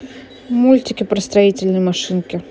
мультики про строительные машинки